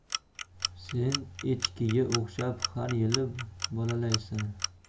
sen echkiga o'xshab har yili bolalaysan